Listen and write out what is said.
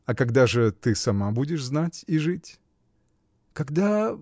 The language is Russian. — А когда же ты сама будешь знать и жить? — Когда.